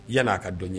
Yan n'a ka dɔn ye